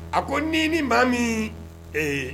A ko ni ni maa min ɛɛ